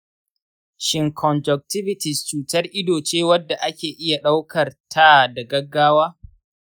shin conjunctivitis cutar ido ce wadda ake iya daukar ta da gaggawa?